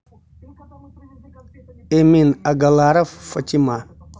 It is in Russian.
эмин агаларов фатима